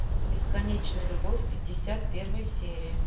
бесконечная любовь пятьдесят первая серия